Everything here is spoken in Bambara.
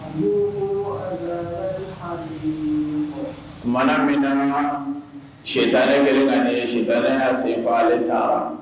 Nse tuma min sɛta kelen ye sɛtarɛya se' ta